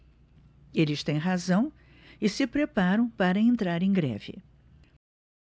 eles têm razão e se preparam para entrar em greve